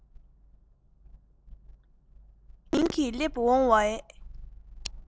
རང བཞིན གྱིས སླེབས འོང བའི